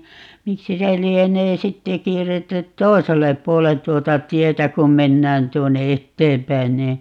miksi se lienee sitten kierretty toiselle puolen tuota tietä kun mennään tuonne eteenpäin niin